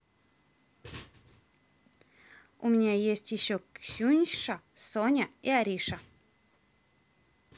у меня есть еще ксюша соня и ариша